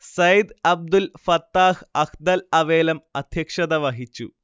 സയ്ദ് അബ്ദുൽ ഫത്താഹ് അഹ്ദൽ അവേലം അധ്യക്ഷത വഹിച്ചു